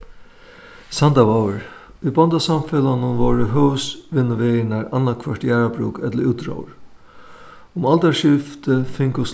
sandavágur í bóndasamfelagnum vóru høvuðsvinnuvegirnar annaðhvørt jarðarbrúk ella útróður um aldarskiftið fingu